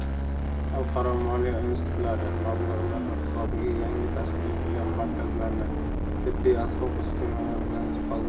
xalqaro moliya institutlari mablag'lari hisobiga yangi tashkil etilgan markazlarni tibbiy asbob uskunalar bilan jihozlash